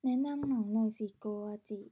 แนะนำหนังหน่อยสิโกวาจี